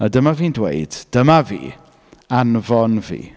A dyma fi'n dweud dyma fi, anfon fi.